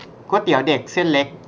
ก๋วยเตี๋ยวเด็กเส้นเล็ก